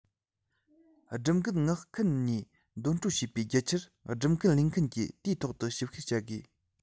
སྒྲུབ འགན མངགས མཁན ནས འདོན སྤྲོད བྱས པའི རྒྱུ ཆར སྒྲུབ འགན ལེན མཁན གྱིས དུས ཐོག ཏུ ཞིབ བཤེར བྱ དགོས